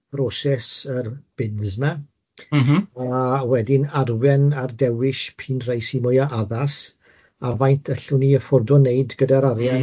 broses yr bins ma... M-hm. ...a wedyn arwen ar dewish pin rei sy mwya addas a faint allwn ni affordo wneud gyda'r arian... M-hm.